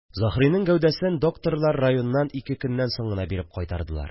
Заһриның гәүдәсен докторлар районнан ике көннән соң гына биреп кайтардылар